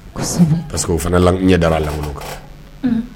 Parce que o fana ɲɛ dara lankolon kan